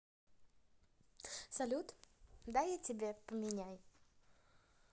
салют дай я тебе поменяй